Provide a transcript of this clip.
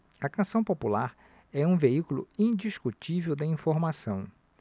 a canção popular é um veículo indiscutível de informação